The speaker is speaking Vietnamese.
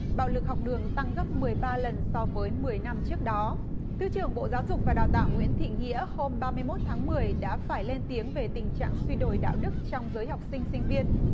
bạo lực học đường tăng gấp mười ba lần so với mười năm trước đó thứ trưởng bộ giáo dục và đào tạo nguyễn thị nghĩa hôm ba mươi mốt tháng mười đã phải lên tiếng về tình trạng suy đồi đạo đức trong giới học sinh sinh viên